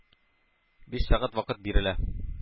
Биш сәгать вакыт бирелә,